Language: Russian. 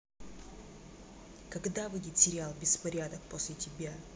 когда выйдет сериал беспорядок после тебя